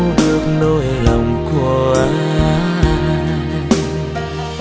được nỗi lòng của anh